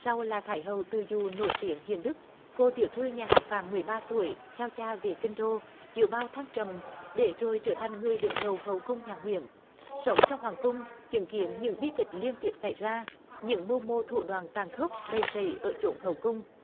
sau là thái hậu từ dụ nổi tiếng hiền đức cô tiểu thư nhà họ phạm mười ba tuổi theo cha về kinh đô giữa bao thăng trầm để rồi trở thành người đứng đầu hậu cung nhà nguyễn sống trong hoàng cung chứng kiến những bi kịch liên tiếp xảy ra những mưu mô thủ đoạn tàn khốc đầy rẫy ở chốn hậu cung